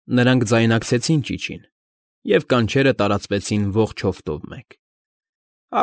Նրանք ձայնակցեցին ճիչին, և կանչերը տարածվեցին ողջ հովտով մեկ։ ֊